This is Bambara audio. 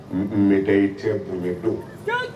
Mɛ ye cɛ bonya ye don